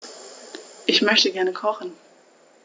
Ich möchte gerne kochen.